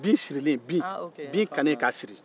binsirilen bin binkannen k'a siri